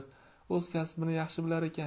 o'z kasbini yaxshi bilar ekan